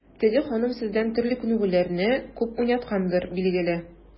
Теге ханым сездән төрле күнегүләрне күп уйнаткандыр, билгеле.